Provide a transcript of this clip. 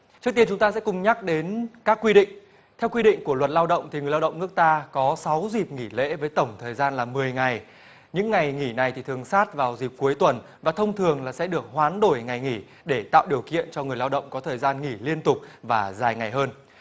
trước tiên chúng ta sẽ cùng nhắc đến các quy định theo quy định của luật lao động thì người lao động nước ta có sáu dịp nghỉ lễ với tổng thời gian là mười ngày những ngày nghỉ này thì thường sát vào dịp cuối tuần và thông thường là sẽ được hoán đổi ngày nghỉ để tạo điều kiện cho người lao động có thời gian nghỉ liên tục và dài ngày hơn